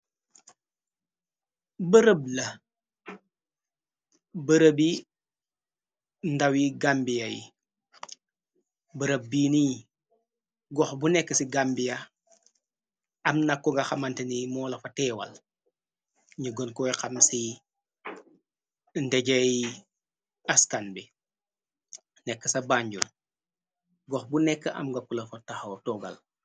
Bërëb la bërëbi ndawi gambia yi bërëb biini gox bu nekk ci gambia am nako nga xamanteni moo la fa teewal ñëggon koy xam ci ndejey askan bi nekk ca bànjul gox bu nekk am ngakkula fa taxaw toogal.